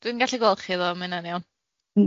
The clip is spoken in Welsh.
Dwi'n gallu gweld chi ddo, ma' hynna'n iawn.